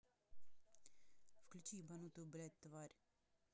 включи ебанутая блядь тварь